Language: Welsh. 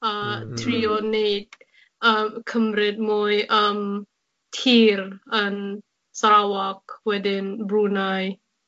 a... Mhm. ...trio neud a cymryd mwy yym tir yn Sarawak, wedyn Brunei.